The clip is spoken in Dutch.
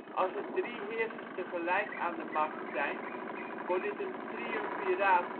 Als er drie heersers tegelijkertijd aan de macht zijn, wordt dit een triumviraat genoemd